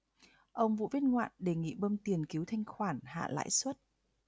ông vũ viết ngoạn đề nghị bơm tiền cứu thanh khoản hạ lãi suất